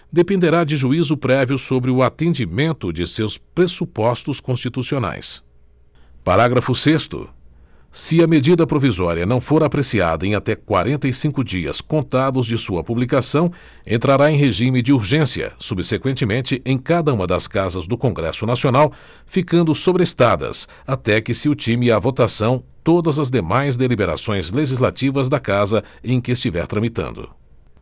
dependerá de juízo prévio sobre o atendimento de seus pressupostos constitucionais parágrafo sexto se a medida provisória não for apreciada em até quarenta e cinco dias contados de sua publicação entrará em regime de urgência subseqüentemente em cada uma das casas do congresso nacional ficando sobrestadas até que se ultime a votação todas as demais deliberações legislativas da casa em que estiver tramitando